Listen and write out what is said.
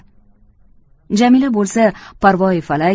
jamila bo'lsa parvoyifalak